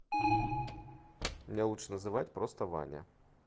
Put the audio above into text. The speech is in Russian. меня лучше назвать просто ваня